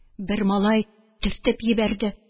Бер малай төртеп йибәрде.